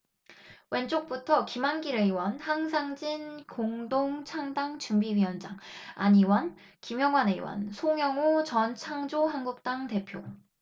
왼쪽부터 김한길 의원 한상진 공동창당준비위원장 안 의원 김영환 의원 송영오 전 창조한국당 대표